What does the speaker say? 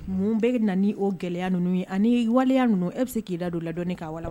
Mun bɛɛ bɛ na o gɛlɛyaya ninnu ye ani waleya ninnu e bɛ k' da don ladɔni'a